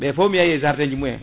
ɓe foo mi yeehi e jardin ji mumen